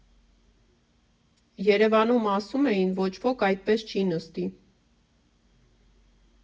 Երևանում, ասում էին, ոչ ոք այդպես չի նստի»։